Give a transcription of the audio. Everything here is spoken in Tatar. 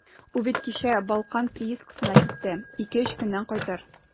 Ул бит кичә «Балкан» приискасына китте, ике-өч көннән кайтыр.